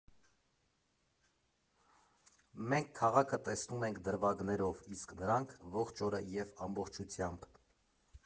Մենք քաղաքը տեսնում ենք դրվագներով, իսկ նրանք՝ողջ օրը և ամբողջությամբ։